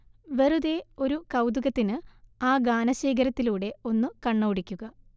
വെറുതെ ഒരു കൗതുകത്തിന് ആ ഗാനശേഖരത്തിലൂടെ ഒന്ന് കണ്ണോടിക്കുക